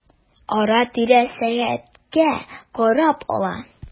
Ара-тирә сәгатькә карап ала.